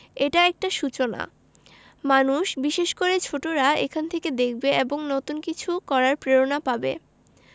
এটা একটা সূচনা মানুষ বিশেষ করে ছোটরা এখান থেকে দেখবে এবং নতুন কিছু করার প্রেরণা পাবে